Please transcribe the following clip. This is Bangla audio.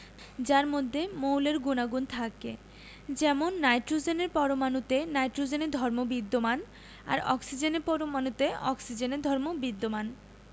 যার মধ্যে মৌলের গুণাগুণ থাকে যেমন নাইট্রোজেনের পরমাণুতে নাইট্রোজেনের ধর্ম বিদ্যমান আর অক্সিজেনের পরমাণুতে অক্সিজেনের ধর্ম বিদ্যমান